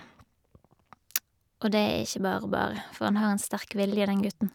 Og det er ikke bare bare, for han har en sterk vilje, den gutten.